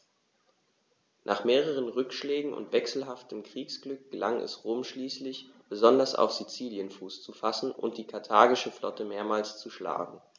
Nach mehreren Rückschlägen und wechselhaftem Kriegsglück gelang es Rom schließlich, besonders auf Sizilien Fuß zu fassen und die karthagische Flotte mehrmals zu schlagen.